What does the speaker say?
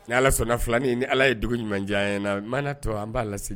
Ni ala sɔnnaona fila ni ala ye dugu ɲuman diya ye na mana tɔ an b'a lase